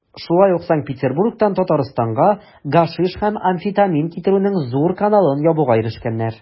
Шулай ук Санкт-Петербургтан Татарстанга гашиш һәм амфетамин китерүнең зур каналын ябуга ирешкәннәр.